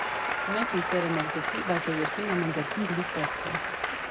Մենք ենք տերը մեր գլխի, բայց դե երկրին ամեն դեպքում գլուխ պետք է։